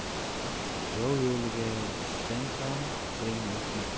yov qo'liga tushsang ham siring aytma